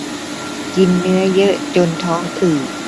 กินเนื้อเยอะจนท้องอืด